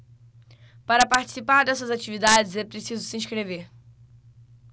para participar dessas atividades é preciso se inscrever